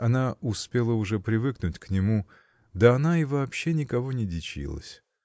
она успела уже привыкнуть к нему, -- да она и вообще никого не дичилась.